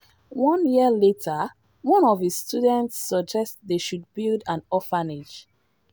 One year later, one of his students suggested they should build an orphanage.